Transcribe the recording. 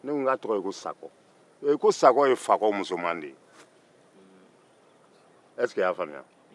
ne ko ka tɔgɔ ye ko sakɔ ee ko sakɔ ye fakɔ musoman de ye ɛseke i y'a faamuya